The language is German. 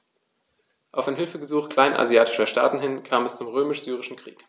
Auf ein Hilfegesuch kleinasiatischer Staaten hin kam es zum Römisch-Syrischen Krieg.